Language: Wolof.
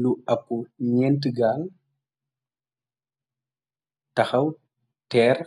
Lu opu nyeenti gal tahaw téer